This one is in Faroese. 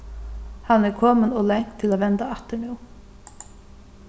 hann er komin ov langt til at venda aftur nú